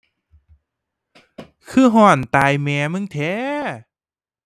คือร้อนตายแม่มึงแท้